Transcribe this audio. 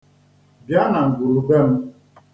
Bịa na ngwuru be m.